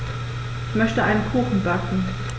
Ich möchte einen Kuchen backen.